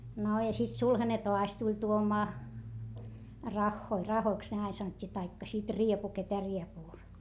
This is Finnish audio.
no ja sitten sulhanen taas tuli tuomaan rahoja rahoiksi ne aina sanottiin tai sitten riepu ketä riepua